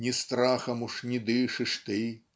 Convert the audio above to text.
Ни страхом уж не дышишь ты